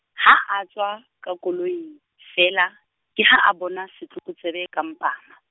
ha a tswa, ka koloing feela, ke ha a bona setlokotsebe ka mpama.